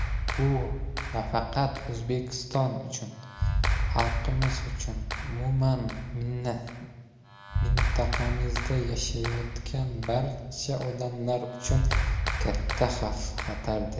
bu nafaqat o'zbekiston uchun xalqimiz uchun umuman mintaqamizda yashayotgan barcha odamlar uchun katta xavf xatardir